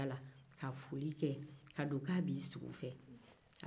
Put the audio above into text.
a ye foli kɛ ka don k'a b'i sigi u fɛ